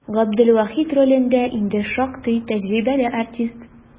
Габделвахит ролендә инде шактый тәҗрибәле артист.